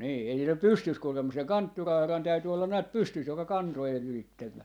niin ei sillä pysty kuule mutta sen kanttura-arran täytyi olla näet pystyssä joka kantojen ylitse meni